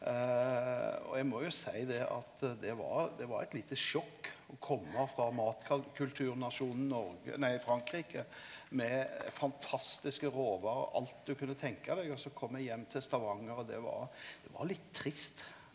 og eg må jo seie det at det var det var eit lite sjokk å komma frå matkulturnasjonen Noreg nei Frankrike med fantastiske råvarer alt du kunne tenka deg og så kom eg heim til Stavanger og det var det var litt trist.